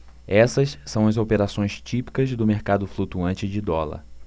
essas são as operações típicas do mercado flutuante de dólar